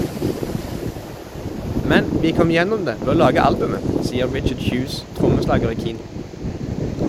Men vi kom gjennom det ved å lage albumet, sier Richard Hughes, trommeslager i Keane.